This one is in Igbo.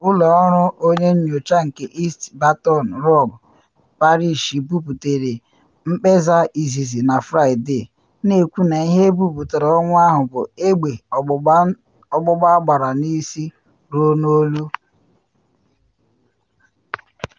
Ụlọ Ọrụ Onye Nyocha nke East Baton Rouge Parish buputere mkpeza izizi na Fraịde, na ekwu na ihe buputere ọnwụ ahụ bụ egbe ọgbụgba agbara n’isi ruo n’olu.